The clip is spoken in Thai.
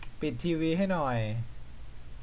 ปิดทีวีให้หน่อย